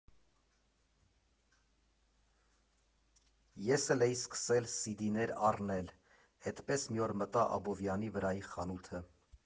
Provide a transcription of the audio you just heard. Ես էլ էի սկսել սիդիներ առնել, էդպես մի օր մտա Աբովյանի վրայի խանութը։